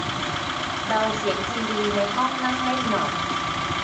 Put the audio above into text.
เบาเสียงทีวีในห้องนั่งเล่นหน่อย